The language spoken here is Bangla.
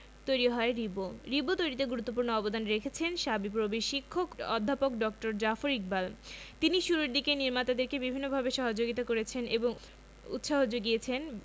তৈরি হয় রিবো রিবো তৈরিতে গুরুত্বপূর্ণ অবদান রেখেছেন শাবিপ্রবির শিক্ষক অধ্যাপক ড জাফর ইকবাল তিনি শুরুর দিকে নির্মাতাদেরকে বিভিন্নভাবে সহযোগিতা করেছেন এবং উৎসাহ যুগিয়েছেন